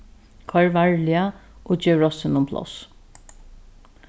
koyr varliga og gev rossinum pláss